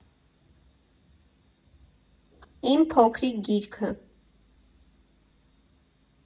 Իմ փոքրիկ գիրքը։